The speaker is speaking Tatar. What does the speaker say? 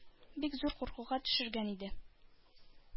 Бик зур куркуга төшергән иде.